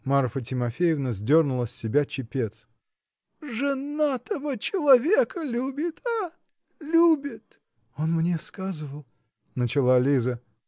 -- Марфа Тимофеевна сдернула с себя чепец. -- Женатого человека любит! а? любит! -- Он мне сказывал. -- начала Лиза.